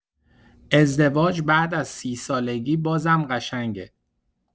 ازدواج بعد از ۳۰ سالگی بازم قشنگه!